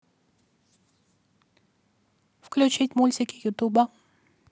включить мультики ютуба